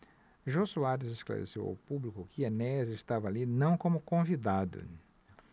jô soares esclareceu ao público que enéas estava ali não como convidado